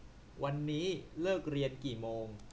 วันนี้เลิกเรียนกี่โมง